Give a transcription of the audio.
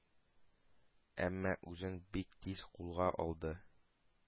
Әмма үзен бик тиз кулга алды.